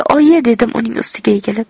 oyi dedim uning ustiga egilib